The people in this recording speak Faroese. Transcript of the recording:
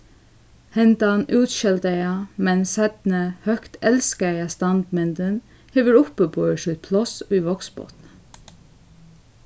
hendan útskeldaða men seinni høgt elskaða standmyndin hevur uppiborið sítt pláss í vágsbotni